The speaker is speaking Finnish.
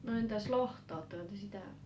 no entäs lohta oletteko te sitä